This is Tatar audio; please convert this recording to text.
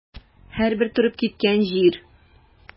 Һәрбер торып киткән җир.